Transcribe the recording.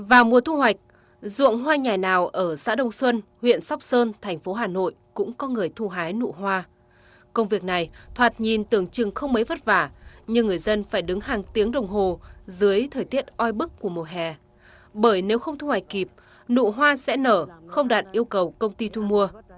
vào mùa thu hoạch ruộng hoa nhà nào ở xã đông xuân huyện sóc sơn thành phố hà nội cũng có người thu hái nụ hoa công việc này thoạt nhìn tưởng chừng không mấy vất vả nhưng người dân phải đứng hàng tiếng đồng hồ dưới thời tiết oi bức của mùa hè bởi nếu không thu hoạch kịp nụ hoa sẽ nở không đạt yêu cầu công ty thu mua